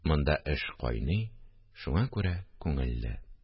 Монда эш кайный, шуңа күрә күңелле